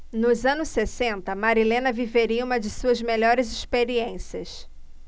nos anos sessenta marilena viveria uma de suas melhores experiências